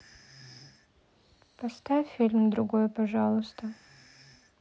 поставь фильм другой пожалуйста